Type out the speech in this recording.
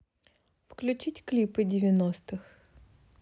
включить клипы девяностых